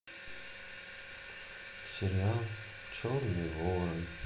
сериал черный ворон